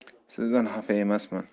sizdan xafa emasman